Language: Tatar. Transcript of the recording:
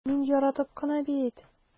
Мин яратып кына бит...